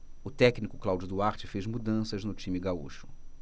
o técnico cláudio duarte fez mudanças no time gaúcho